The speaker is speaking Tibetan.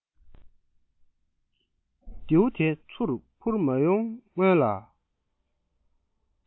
རྡེའུ དེ ཚུར འཕུར མ ཡོང སྔོན ལ